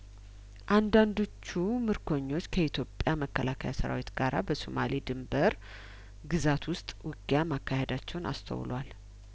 አንዳንዶቹምርኮኞች ከኢትዮጵያ መከላከያሰራዊት ጋራ በሶማሌ ድንበር ግዛት ውስጥ ውጊያማካሄዳቸውን አስተውሏል